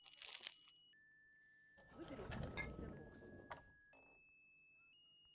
выбери устройство sberbox